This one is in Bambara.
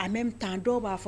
En même temps a dɔw b'a fɔ